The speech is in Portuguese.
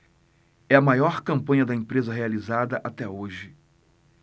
é a maior campanha da empresa realizada até hoje